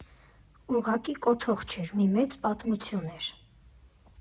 Ուղղակի կոթող չէր, մի մեծ պատմություն էր։